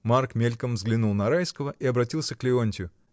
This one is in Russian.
Марк мельком взглянул на Райского и обратился к Леонтью.